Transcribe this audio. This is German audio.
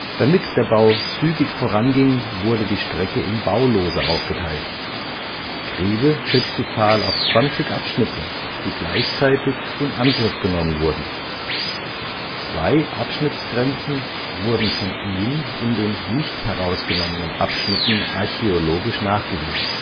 Damit der Bau zügig voranging, wurde die Strecke in Baulose aufgeteilt. Grewe schätzt die Zahl auf 20 Abschnitte, die gleichzeitig in Angriff genommen wurden. Zwei Abschnittsgrenzen wurden von ihm in den nicht herausgenommen Abschnitten archäologisch nachgewiesen